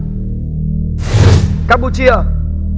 cam pu chia